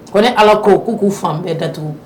Ko ni ala ko k' k'u fan bɛɛ ga tugu